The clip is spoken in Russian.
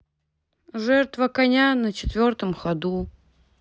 жертва коня на четвертом ходу